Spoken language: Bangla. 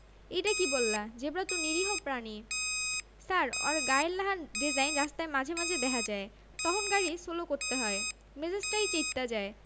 এইডা কি বললা জেব্রা তো নিরীহ প্রাণী.. ছার অর গায়ের লাহান ডেজাইন রাস্তায় মাঝে মাঝে দেহা যায় তহন গাড়ি সোলো করতে হয় মেজাজটাই চেইত্তা যায়